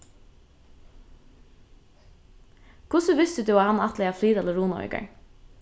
hvussu visti tú at hann ætlaði at flyta til runavíkar